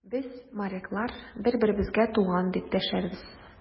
Без, моряклар, бер-беребезгә туган, дип дәшәбез.